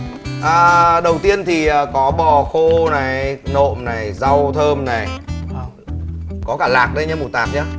a đầu tiên thì à có bò khô này nộm này rau thơm này có cả lạc đây nhớ mù tạt nhớ